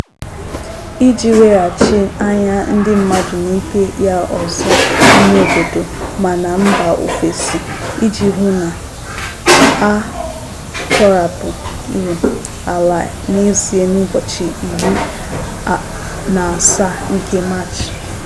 Iji weghachi anya ndị mmadụ n'ikpe ya ọzọ n'ime obodo ma na mba ofesi iji hụ na a tọhapụrụ Alaa n'ezie n'ụbọchị 17 nke Maachị.